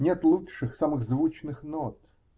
Нет лучших, самых звучных нот.